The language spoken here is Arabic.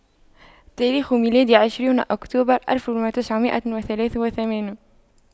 تاريخ ميلادي عشرون أكتوبر ألف وتسعمئة وثلاث وثمانون